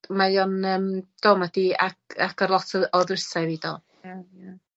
Mae o'n yym, do mae 'di ag- agor lot o o ddrysau i fi do. Ie, ie.